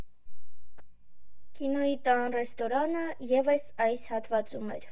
Կինոյի տան ռեստորանը ևս այս հատվածում էր։